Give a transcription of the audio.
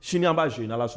Sini an b'a joué n'ala sɔnna.